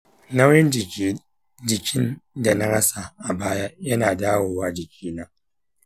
nauyin jikin da na rasa a baya yana dawowa jikina.